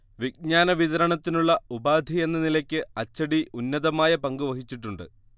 വിജ്ഞാന വിതരണത്തിനുള്ള ഉപാധിയെന്ന നിലയ്ക്ക് അച്ചടി ഉന്നതമായ പങ്കുവഹിച്ചിട്ടുണ്ട്